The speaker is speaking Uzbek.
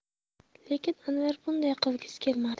lekin anvar bunday qilgisi kelmadi